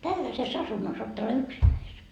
tällaisessa asunnossa olet täällä yksinäsi